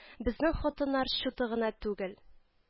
Безнең хатыннар чуты гына түгел